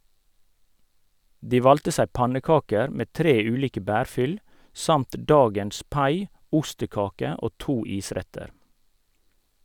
De valgte seg pannekaker med tre ulike bærfyll, samt dagens pai (ostekake) og to isretter.